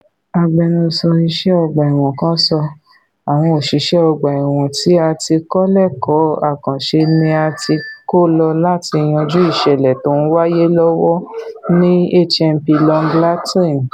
Agbẹnusọ Ìṣẹ́ Ọgbà-ẹ̀wọ̀n kan sọ: ''Àwọn òṣìṣẹ́ ọgbà-ẹ̀wọn tí a ti kọ́ lẹ́kọ̀ọ́ àkànṣ̵e ní a ti kó lọ láti yanjú ìṣẹ̀lẹ̀ tó ńwáyé lọ́wọ́ ní HMP Long Lartin.